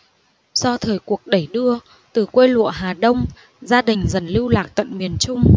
do thời cuộc đẩy đưa từ quê lụa hà đông gia đình dần lưu lạc tận miền trung